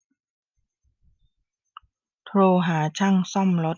โทรหาช่างซ่อมรถ